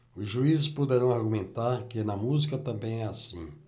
os juízes poderão argumentar que na música também é assim